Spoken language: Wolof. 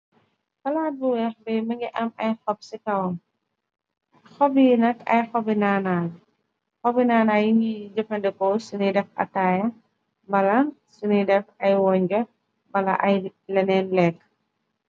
Palaat bu weex bi mongi am ay xob ci kawam xobiinak ay xobi naana la yi xobi naana yi ngiy jëfandekoo sini def ataaya bala suni def ay woon jë bala ay leneen lek.